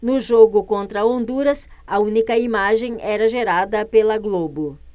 no jogo contra honduras a única imagem era gerada pela globo